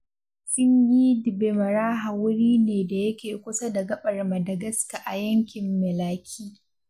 Tsingy de Bemaraha wuri ne da yake kusa da gaɓar Madagascar a yankin Melaky.